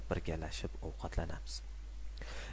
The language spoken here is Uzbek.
birgalashib ovqatlanamiz